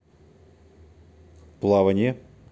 плавание